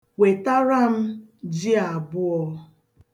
Wetara m ji abụọ.